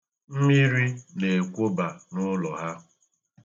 Mmiri na-ekwoba n'ụlọ ha.